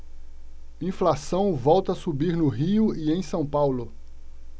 inflação volta a subir no rio e em são paulo